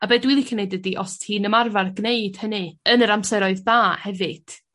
A be' dwi licio neud ydi os ti'n ymarfar gneud hynny yn yr amseroedd da hefyd